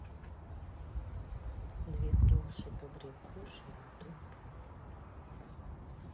две клуши побрякуши ютуб